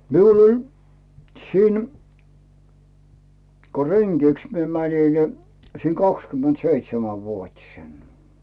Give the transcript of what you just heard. minulla oli siinä kun rengiksi minä menin niin siinä kaksikymmentäseitsemänvuotisena